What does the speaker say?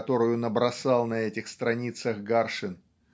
которую набросал на этих страницах Гаршин